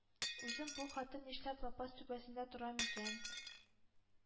Үзем ”бу хатын нишләп лапас түбәсендә тора микән,